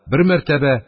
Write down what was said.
Бер мәртәбә